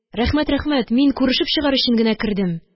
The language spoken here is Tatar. Рәхмәт, рәхмәт, мин күрешеп чыгар өчен генә кердем